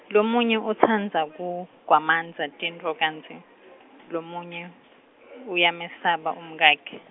lomunye utsandza kugwamandza tinfto kantsi, lomunye, uyamesaba umkakhe.